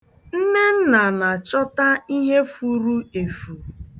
Nnenna na-achọta ihe furu efu.